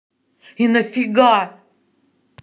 и нафига